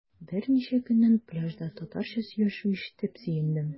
Берничә көннән пляжда татарча сөйләшү ишетеп сөендем.